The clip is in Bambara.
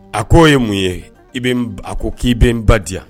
A ko o ye mun ye i bɛ a ko k'i bɛ n ba di yan